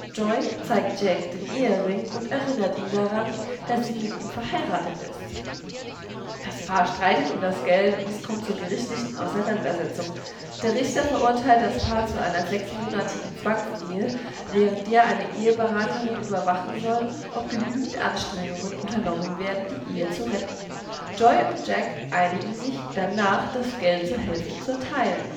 Joy zeigt Jack den Ehering und erinnert ihn daran, dass sie mit ihm verheiratet ist. Das Paar streitet um das Geld und es kommt zur gerichtlichen Auseinandersetzung. Der Richter verurteilt das Paar zu einer sechsmonatigen Zwangsehe, während der eine Eheberaterin überwachen soll, ob genügend Anstrengungen unternommen werden, die Ehe zu retten. Joy und Jack einigen sich, danach das Geld zur Hälfte zu teilen